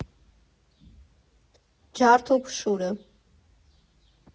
Ջարդ ու փշուրը։